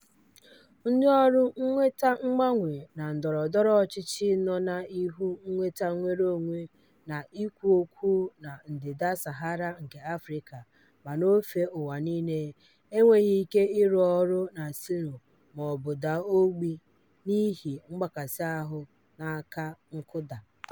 Ndị ọrụ mweta mgbanwe na ndọrọ ndọrọ ọchịchị nọ n'ihu mweta nnwereonwe n'ikwo okwu na ndịda Sahara nke Afịrịka ma n'ofe ụwa niile enweghị ike ịrụ ọrụ na silo maọbụ daa ogbi n'ihi mgbakasịahụ na aka nkụda.